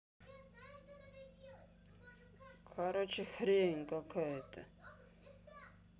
короче хрень какая то